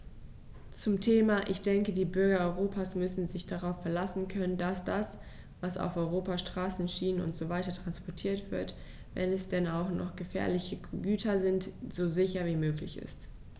Zum Thema: Ich denke, die Bürger Europas müssen sich darauf verlassen können, dass das, was auf Europas Straßen, Schienen usw. transportiert wird, wenn es denn auch noch gefährliche Güter sind, so sicher wie möglich ist.